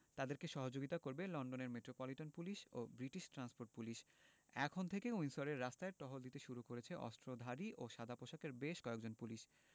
তাঁদের সহযোগিতা করবে লন্ডনের মেট্রোপলিটন পুলিশ ও ব্রিটিশ ট্রান্সপোর্ট পুলিশ এখন থেকেই উইন্ডসরের রাস্তায় টহল দিতে শুরু করেছে অস্ত্রধারী ও সাদাপোশাকের বেশ কয়েকজন পুলিশ